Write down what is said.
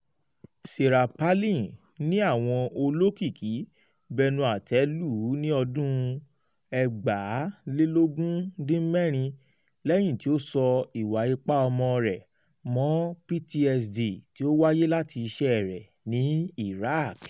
Sarah Palin ní àwọn olókìkí bẹnu àtẹ́ lu ní ọdún 2016 lẹyìn tí ó sọ ìwà-ìpá ọmọ rẹ̀ mọ PTSD tí ó wáyé láti iṣẹ rẹ̀ ní Iraq.